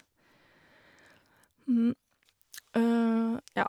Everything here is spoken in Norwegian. Ja.